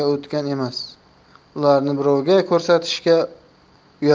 nariga o'tgan emas ularni birovga ko'rsatishga uyaladi